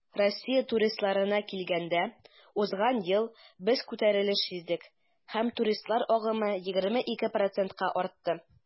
Россия туристларына килгәндә, узган ел без күтәрелеш сиздек һәм туристлар агымы 22 %-ка артты.